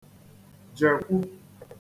jèkwu